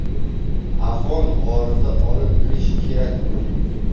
afon g'origa olib kirish kerak uni